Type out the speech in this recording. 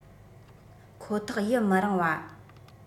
ཁོ ཐག ཡི མི རང བ